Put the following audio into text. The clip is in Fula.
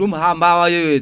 ɗum ha mbawa yeeyoyde